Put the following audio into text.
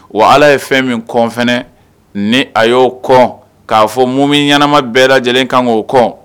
Wa ala ye fɛn min kɔf ni a y'o kɔ k'a fɔ mun min ɲɛnama bɛɛ lajɛlen kan k' oo kɔ